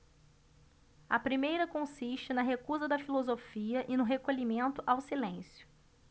a primeira consiste na recusa da filosofia e no recolhimento ao silêncio